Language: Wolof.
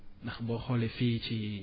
ndax boo xoolee fii ci